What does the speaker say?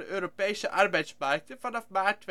Europese arbeidsmarkten, vanaf maart